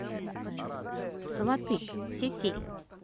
сваты все серии